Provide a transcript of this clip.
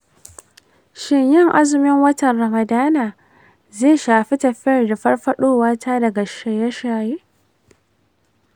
shin yin azumin watan ramadana zai shafi tafiyar da farfadowata daga shaye-shaye?